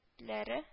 Ләре